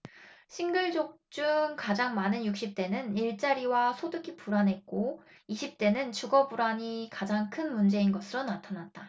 싱글족 중 가장 많은 육십 대는 일자리와 소득이 불안했고 이십 대는 주거 불안이 가장 큰 문제인 것으로 나타났다